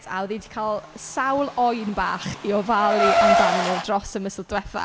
A oedd hi 'di cael sawl oen bach i ofalu amdano nhw dros y misoedd diwetha.